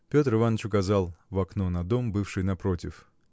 Петр Иваныч указал в окно на дом, бывший напротив.